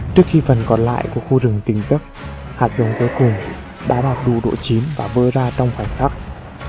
trước khi phần còn lại của khu rừng tỉnh giấc hạt giống cuối cùng đạt đủ độ chín và vỡ ra trong khoảnh khắc